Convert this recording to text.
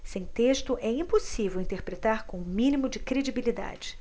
sem texto é impossível interpretar com o mínimo de credibilidade